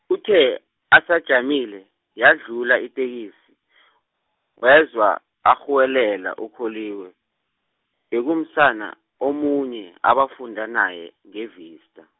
kuthe, asajamile, yadlula iteksi , wezwa arhuwelela uKholiwe, bekumsana omunye, abafunda naye ngeVista.